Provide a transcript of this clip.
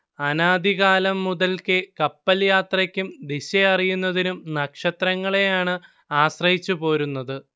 അനാദി കാലം മുതൽക്കേ കപ്പൽ യാത്രയ്ക്കും ദിശ അറിയുന്നതിനും നക്ഷത്രങ്ങളെയാണ് ആശ്രയിച്ചുപോരുന്നത്